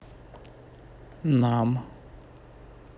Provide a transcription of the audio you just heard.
нам